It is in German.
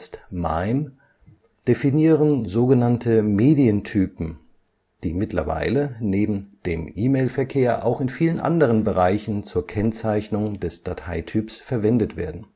MIME) definieren sogenannte Medientypen, die mittlerweile neben dem E-Mail-Verkehr auch in vielen anderen Bereichen zur Kennzeichnung des Dateityps verwendet werden